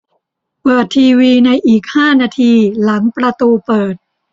เปิดทีวีในอีกห้านาทีหลังประตูเปิด